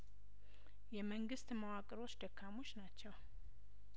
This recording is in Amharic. የመንግስት መዋቅሮች ደካሞች ናቸው